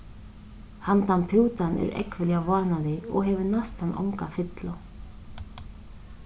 hendan pútan er ógvuliga vánalig og hevur næstan onga fyllu